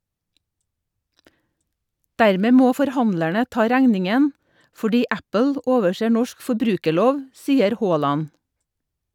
Dermed må forhandlerne ta regningen fordi Apple overser norsk forbrukerlov, sier Haaland.